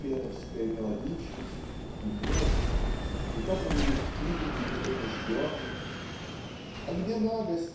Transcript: фетовская мелодичность и нежность, и так они легки и непринужденны. А где надо